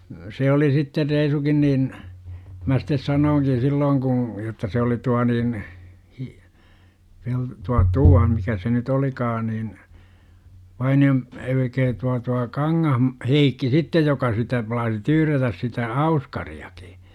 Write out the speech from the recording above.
se oli sitten reisunkin niin minä sitten sanoinkin silloin kun jotta se oli tuo niin -- tuo tuo mikä se nyt olikaan niin Vainio - älkää tuo tuo - Heikki sitten joka sitä plaasi tyyrätä sitä auskariakin.